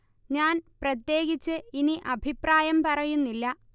ഞാൻ പ്രത്യേകിച്ച് ഇനി അഭിപ്രായം പറയുന്നില്ല